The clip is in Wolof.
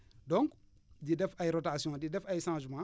donc di def ay rotation di def ay changement